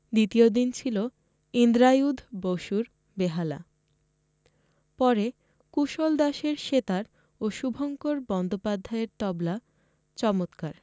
দ্বিতীয় দিন ছিল ইন্দ্রায়ুধ বসুর বেহালা পরে কূশল দাসের সেতার ও শুভঙ্কর বন্দ্যোপাধ্যায়ের তবলা চমতকার